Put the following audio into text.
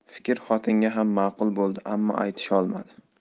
fikr xotinga ham ma'qul bo'ldi ammo aytisholmadi